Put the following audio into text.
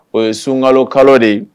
O ye suŋalo kalo de ye